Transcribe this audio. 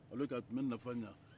alors que a tun bɛ nafa ɲɛ